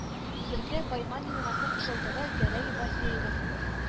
Зеркә Байман елгасы кушылдыгы Гәрә бассейны